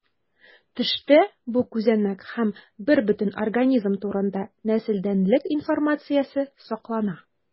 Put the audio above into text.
Төштә бу күзәнәк һәм бербөтен организм турында нәселдәнлек информациясе саклана.